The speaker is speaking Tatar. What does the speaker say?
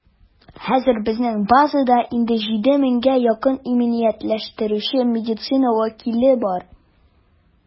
Хәзер безнең базада инде 7 меңгә якын иминиятләштерүче медицина вәкиле бар.